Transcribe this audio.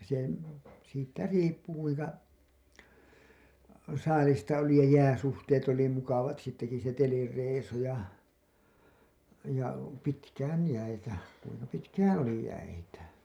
se siitä riippui kuinka saalista oli ja jääsuhteet oli mukavat siitäkin se telireissu ja ja pitkään jäitä kuinka pitkään oli jäitä